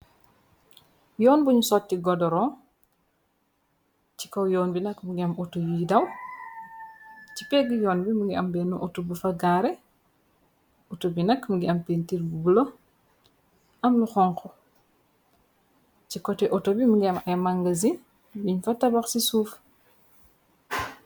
Yoon bun sotti godoro. Ci kaw yoon bi nak mungi am auto yi daw, ci pegg yoon bi mungi am benn auto bu fa gaareh. Auto bi nakk mungi am bintir bu bulo am lu honku. Ci kotè auto bi mungi am ay mangasin buñ fa tabah ci suuf.